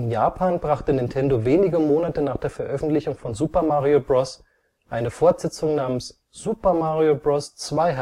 Japan brachte Nintendo wenige Monate nach der Veröffentlichung von Super Mario Bros. eine Fortsetzung namens Super Mario Bros. 2